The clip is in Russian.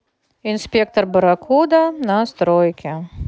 инспектор барракуда на стройке